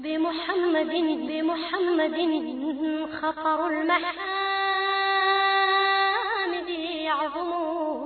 Denmudminiinɛgɛnin yo